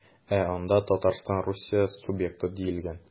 Ә анда Татарстан Русия субъекты диелгән.